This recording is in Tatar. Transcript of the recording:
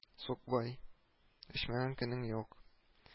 Сукбай! Эчмәгән көнең юк